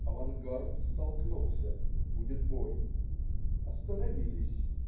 Авангард столкнулся - будет бой. Остановились.